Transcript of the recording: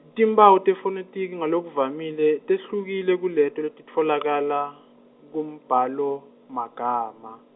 timphawu tefonethiki ngalokuvamile, tehlukile kuleto letitfolakala, kumbhalomagama.